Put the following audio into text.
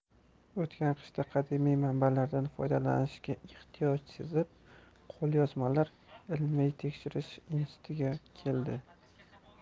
o'tgan qishda qadimiy manbalardan foydalanishga ehtiyoj sezib qo'lyozmalar ilmiytekshirish institutiga keldi